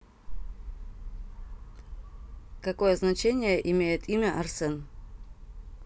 какое значение имеет имя арсен